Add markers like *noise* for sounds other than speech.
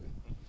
*hesitation* *hesitation*